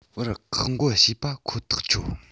བར བཀག འགོག བྱས པ ཁོ ཐག ཆོད